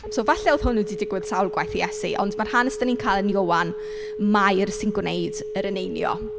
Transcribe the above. So falle oedd hwn wedi digwydd sawl gwaith i Iesu, ond ma'r hanes dan ni'n cael yn Ioan Mair sy'n gwneud yr eneinio.